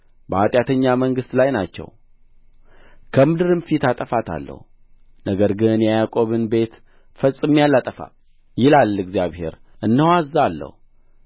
በኃጢአተኛ መንግሥት ላይ ናቸው ከምድርም ፊት አጠፋታለሁ ነገር ግን የያዕቆብን ቤት ፈጽሜ አላጠፋም ይላል እግዚአብሔር እነሆ አዝዛለሁ